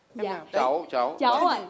cháu cháu cháu